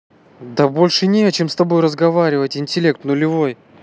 да больше не о чем с тобой разговаривать интеллект нулевой